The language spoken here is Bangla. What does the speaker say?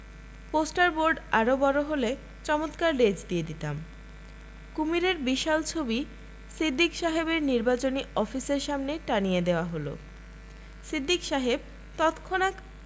পোস্টার বোর্ড আয়ে বড় হলে চমৎকার লেজ দিয়ে দিতাম কুশীবের বিশাল ছবি সিদ্দিক সাহেবের নির্বাচনী অফিসের সামনে টানিয়ে দেয়া হল সিদ্দিক সাহেব তৎক্ষণাৎ